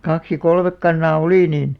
kaksi ja kolme kanaa oli niin